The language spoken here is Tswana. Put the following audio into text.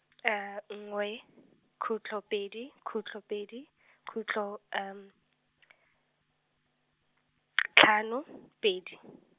nngwe, khutlo pedi, khutlo pedi , khutlo, tlhano, pedi.